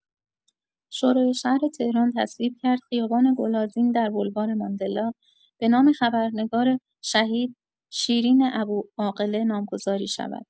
شورای شهر تهران تصویب کرد خیابان گل‌آذین در بلوار ماندلا، به نام خبرنگار شهید، شیرین ابوعاقله نامگذاری شود!